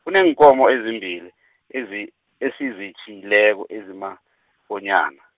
kuneenkomo ezimbili, ezi esizitjhiyileko, ezinamakonyana.